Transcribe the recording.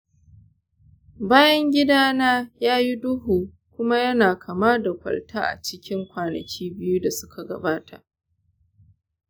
bayan gida na ya yi duhu kuma yana kama da kwalta a cikin kwanaki biyu da suka gabata.